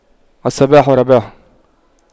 الصباح رباح